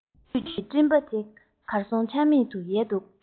ལྷོ བཞུད ཀྱི སྤྲིན པ དེ གར སོང མེད པར ཡལ འདུག